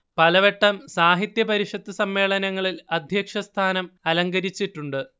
പലവട്ടം സാഹിത്യ പരിഷത്ത് സമ്മേളനങ്ങളിൽ അധ്യക്ഷസ്ഥാനം അലങ്കരിച്ചിട്ടുണ്ട്